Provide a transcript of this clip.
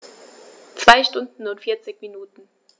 2 Stunden und 40 Minuten